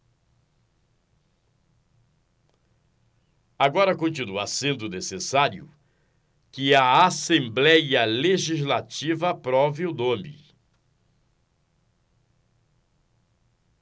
agora continua sendo necessário que a assembléia legislativa aprove o nome